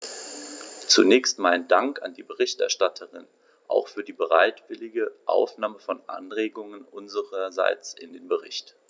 Zunächst meinen Dank an die Berichterstatterin, auch für die bereitwillige Aufnahme von Anregungen unsererseits in den Bericht.